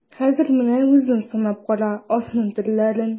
Хәзер менә үзең санап кара атның төрләрен.